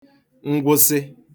ngwụsị